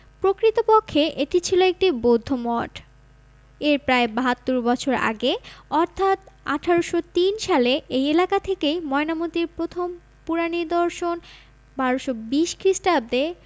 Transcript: প্রকৃতপক্ষে এটি ছিল একটি বৌদ্ধ মঠ এর প্রায় ৭২ বছর আগে অর্থাৎ ১৮০৩ সালে এই এলাকা থেকেই ময়নামতীর প্রথম পুরানিদর্শন ১২২০ খ্রিস্টাব্দে